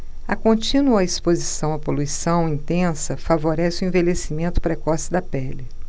a contínua exposição à poluição intensa favorece o envelhecimento precoce da pele